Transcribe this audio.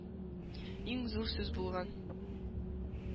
Иң зур сүз булган.